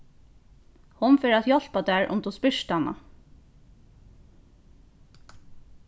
hon fer at hjálpa tær um tú spyrt hana